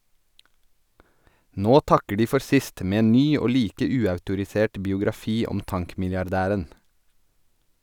Nå takker de for sist, med en ny og like uautorisert biografi om tankmilliardæren.